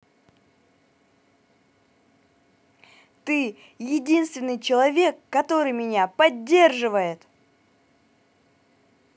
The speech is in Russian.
ты единственный человек который меня поддерживает